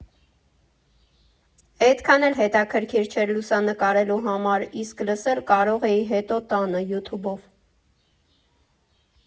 Էդքան էլ հետաքրքիր չէր լուսանկարելու համար, իսկ լսել կարող էի հետո տանը՝ յութուբով։